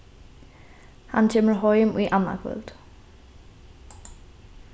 hann kemur heim í annaðkvøld